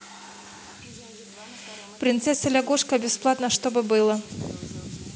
принцесса лягушка бесплатно чтобы было